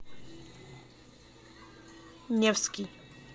невский